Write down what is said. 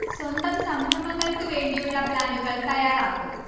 സ്വന്തം സംരംഭങ്ങൾക്ക് വേണ്ടി ഉള്ള പ്ലാനുകൾ തയ്യാറാക്കും